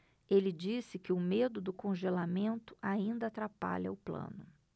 ele disse que o medo do congelamento ainda atrapalha o plano